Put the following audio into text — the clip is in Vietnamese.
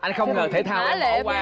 anh không ngờ thể thao em bỏ qua